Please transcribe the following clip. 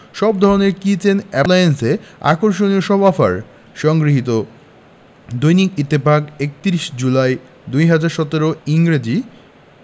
সব ধরনের কিচেন অ্যাপ্লায়েন্সে আকর্ষণীয় সব অফার সংগৃহীত দৈনিক ইত্তেফাক ৩১ জুলাই ২০১৭ ইংরেজি